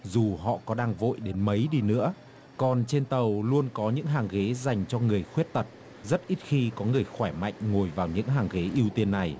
dù họ có đang vội đến mấy đi nữa còn trên tàu luôn có những hàng ghế dành cho người khuyết tật rất ít khi có người khỏe mạnh ngồi vào những hàng ghế ưu tiên này